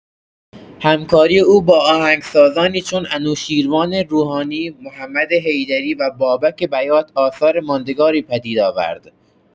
همکاری او با آهنگسازانی چون انوشیروان روحانی، محمد حیدری و بابک بیات آثار ماندگاری پدید آورد.